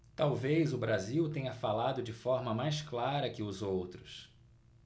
talvez o brasil tenha falado de forma mais clara que os outros